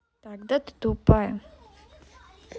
тогда ты тупая